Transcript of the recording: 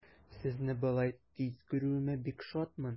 Сезне болай тиз күрүемә бик шатмын.